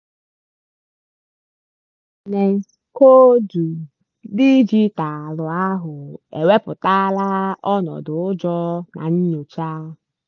#Bénin Koodu dijitalụ ahụ ewepụtala ọnọdụ ụjọ na nnyocha.